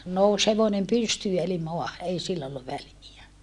nousi hevonen pystyyn eli maahan ei sillä ollut väliä